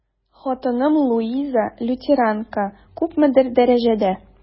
Хатыным Луиза, лютеранка, күпмедер дәрәҗәдә...